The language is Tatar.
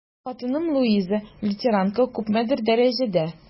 Хатыным Луиза, лютеранка, күпмедер дәрәҗәдә...